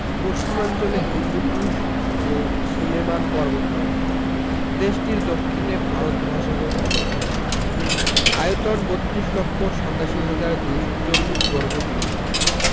পশ্চিমাঞ্চলে হিন্দুকুশ ও সুলেমান পর্বতমালাদেশটির দক্ষিণে ভারত মহাসাগর অবস্থিত আয়তন ৩২ লক্ষ ৮৭ হাজার ২৪০ বর্গ কিমি